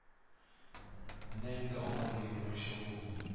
Менә инде аңа да егерме өч ел булды